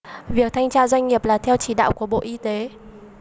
việc thanh tra doanh nghiệp là theo chỉ đạo của bộ y tế